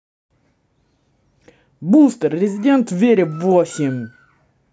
бустер резидент вере восемь